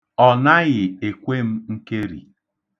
Ọ naghị ekwe m nkeri.